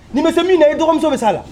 Ni ma se min ma, i dɔgɔmuso bɛ se a la.